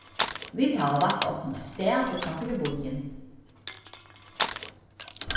vit hava valt okkum eitt stað uttanfyri býin